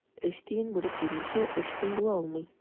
Өч тиен бүлеп бирмичә, өч сум була алмый.